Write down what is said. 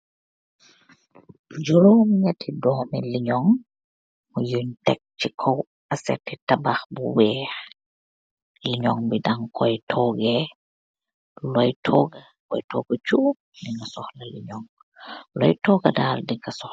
Jorom nyehtti dormi enyoun yuu geih tekk ce gaw assete bu weeah.